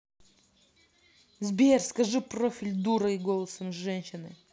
сбер скажи профиль дура и голосом женщины